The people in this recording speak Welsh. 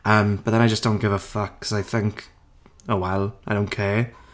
Yym, but then I just don't give a fuck 'cause I think, "Oh well, I don't care."